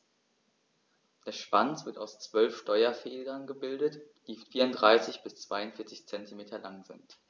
Der Schwanz wird aus 12 Steuerfedern gebildet, die 34 bis 42 cm lang sind.